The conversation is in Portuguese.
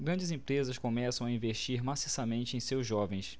grandes empresas começam a investir maciçamente em seus jovens